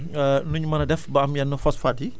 sànq da nga sànq da nga expliqué